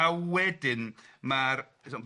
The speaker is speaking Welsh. ...a wedyn ma'r tibod